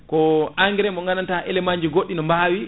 ko engrais mo gandanta élément ji goɗɗi no bawi